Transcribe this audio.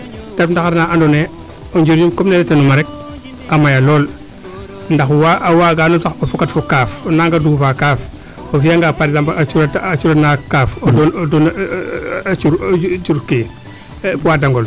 te ref ndaxar na ando naye o njiriñum comme ne leyta nuuma rek a maya lool ndax a waagano saq a fokat fo kaaf o naanga duufa kaaf no naanga duufa kaaf o fiya nga par exemple a cuura naxaq kaaf o doon cur cur kii poids dangol